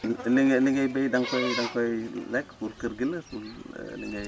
ni ni ngay béyee da nga koy da nga koy lekk pour kër gi la pour li ngay